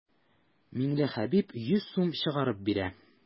Миңлехәбиб йөз сум чыгарып бирә.